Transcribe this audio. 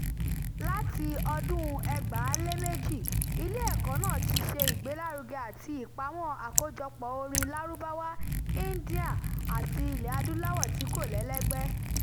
Láti ọdún-un 2002, ilé ẹ̀kọ́ náà ti ṣe ìgbélárugẹ àti ìpamọ́ àkójọpọ̀ orin Lárúbáwá, India àti Ilẹ̀ Adúláwọ̀ tí kò lẹ́lẹ́gbẹ́.